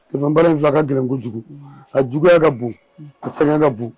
Tilebara in fila ka gko kojugu ka juguyaya ka bon ka sɛgɛn ka bon